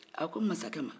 a ko mansakɛ ma